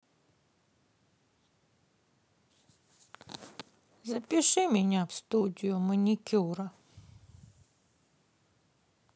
запиши меня в студию маникюра